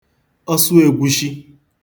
ọsụēgwūshī